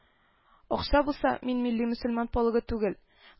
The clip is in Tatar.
- акча булса, мин милли мөселман полыгы түгел